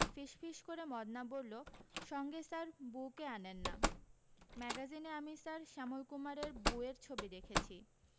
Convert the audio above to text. ফিসফিস করে মদনা বললো সঙ্গে স্যার বউকে আনেন না ম্যাগাজিনে আমি স্যার শ্যামলকুমারের বউয়ের ছবি দেখেছি